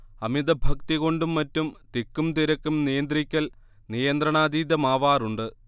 അമിതഭക്തി കൊണ്ടും മറ്റും തിക്കും തിരക്കും നിയന്ത്രിക്കൽ നിയന്ത്രണാതീതമാവാറുണ്ട്